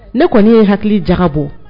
Ne kɔni ye hakili ja bon